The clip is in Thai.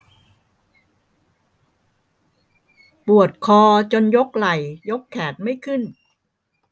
ปวดคอจนยกไหล่ยกแขนไม่ขึ้น